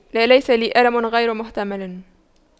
لا ليس لي ألم غير محتمل